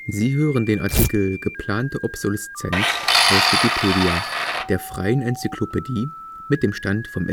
Sie hören den Artikel Geplante Obsoleszenz, aus Wikipedia, der freien Enzyklopädie. Mit dem Stand vom